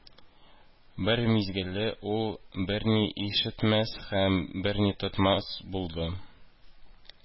Бер мизгелле ул берни ишетмәс һәм берни тоймас булды